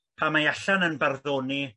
pam mae allan yn barddoni